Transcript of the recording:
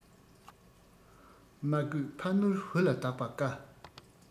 མ བཀོད ཕ ནོར བུ ལ བདག པ དཀའ